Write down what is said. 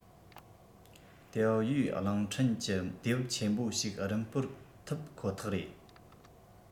ཏེའོ ཡུས གླིང ཕྲན གྱི དུས བབ ཆེན པོ ཞིག རིམ སྤོར ཐུབ ཁོ ཐག རེད